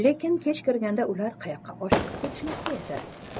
lekin kech kirganda ular qayoqqa oshiqib ketishmoqda edi